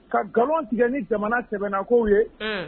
Ka nkalon tigɛ ni jamana tɛmna ko ye